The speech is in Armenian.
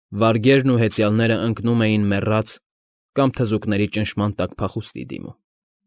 Վարգերն ու հեյծյալներն ընկնում էին մեռած կամ թզուկների ճնշման տակ փախուստի դիմում։